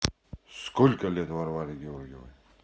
сколько лет варваре гордеевой